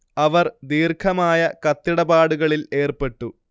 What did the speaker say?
അവർ ദീർഘമായ കത്തിടപാടുകളിൽ ഏർപ്പെട്ടു